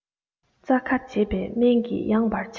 རྩ ཁ འབྱེད པའི སྨན གྱིས ཡངས པར བྱ